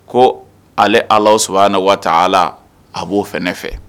Ko ale Allahou Soubhana wa ta Alaa a b'o fɛ ne fɛ.